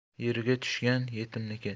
yerga tushgan yetimniki